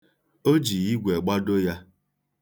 O ji igwe gbado ya.